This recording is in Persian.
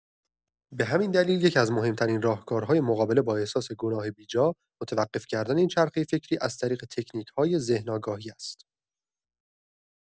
به همین دلیل، یکی‌از مهم‌ترین راهکارهای مقابله با احساس گناه بی‌جا، متوقف کردن این چرخۀ فکری از طریق تکنیک‌های ذهن‌آگاهی است.